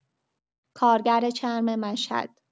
کارگر چرم مشهد.